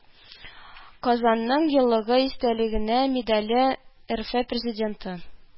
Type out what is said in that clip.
“казанның еллыгы истәлегенә” медале рф президенты